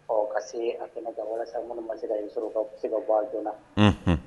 Ɔ ka se a tɛna jan walasa kɔnɔ ma se ka sɔrɔ ka se ka bɔ a joonana